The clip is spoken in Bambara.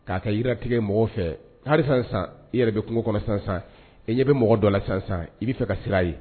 K'a ka yitigɛ mɔgɔw fɛ hali san san i yɛrɛ bɛ kungo kɔnɔ sansan e ɲɛ bɛ mɔgɔ dɔ la sansan i bɛ fɛ ka sira ye